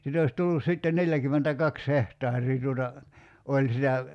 sitä olisi tullut sitten neljäkymmentäkaksi hehtaaria tuota oli sitä